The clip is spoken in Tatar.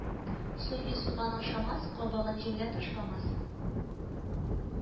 Суфи суган ашамас, кабыгын җиргә ташламас